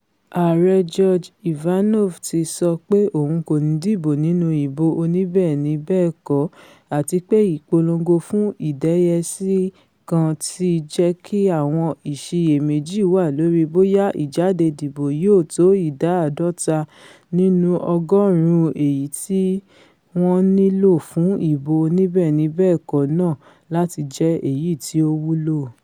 Ààrẹ Gjorge Ivanov ti sọ pé òun kòní dìbò nínú ìbò oníbẹ́ẹ̀ni-bẹ́ẹ̀kọ́ àtipé ìpolongo fún ìdẹ́yẹsí kan ti jẹ́kí àwọn ìṣiyèméjì wà lórí bóyá ìjádedìbò yóò tó ìdá àádọ́ta nínu ọgọ́ọ̀rún èyití wọ́n nílò fún ìbò oníbẹ́ẹ̀ni-bẹ́ẹ̀kọ́ náà láti jẹ́ èyití ó wúlò.